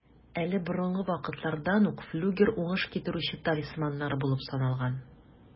Әле борынгы вакытлардан ук флюгер уңыш китерүче талисманнар булып саналган.